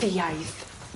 ...ffiaidd.